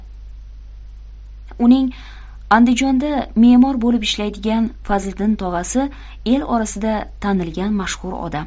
uning andijonda memor bo'lib ishlaydigan fazliddin tog'asi el orasida tanilgan mashhur odam